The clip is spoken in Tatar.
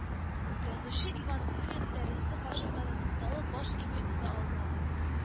Язучы Иван Бунин тәресе каршында да тукталып, баш ими уза алмадым